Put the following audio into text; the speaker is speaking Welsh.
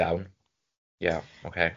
Iawn, ie, ocê.